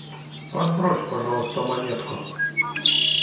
подбрось пожалуйста монетку